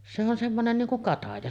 se on semmoinen niin kuin kataja